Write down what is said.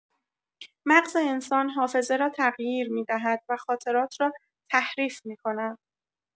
مغز انسان حافظه را تغییر می‌دهد و خاطرات را تحریف می‌کند.